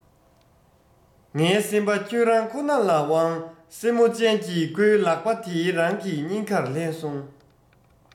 ངའི སེམས པ ཁྱོད རང ཁོ ན ལ དབང སེན མོ ཅན གྱི ཁོའི ལག པ དེ རང གི སྙིང གར ལྷན སོང